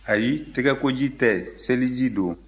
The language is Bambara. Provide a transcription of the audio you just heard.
ayi tɛgɛkoji tɛ seliji don